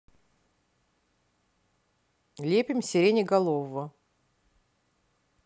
лепим сиреноголового